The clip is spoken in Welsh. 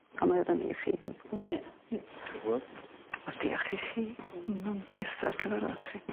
A mae o fyny i chi wrth gwrs. ie. Ie. Diolch y' fowr. Wel diolch i chi. Hmm. Ma'n blyser cyfarfod chi.